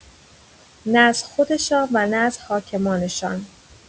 نه از خودشان و نه از حاکمان شان